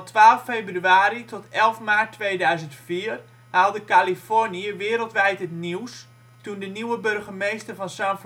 12 februari tot 11 maart 2004 haalde Californië wereldwijd het nieuws toen de nieuwe burgemeester van San